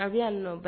A bɛ yan nɔ